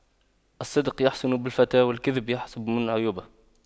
الصدق يحسن بالفتى والكذب يحسب من عيوبه